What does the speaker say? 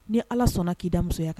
Ni allah sɔnna k'i da musoya kan